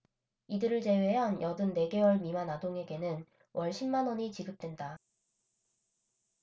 이들을 제외한 여든 네 개월 미만 아동에게는 월 십 만원이 지급된다